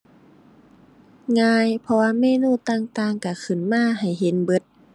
ง่าย เพราะว่าเมนูต่างต่างก็ขึ้นมาให้เห็นเบิด